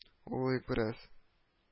Уйлыйк бераз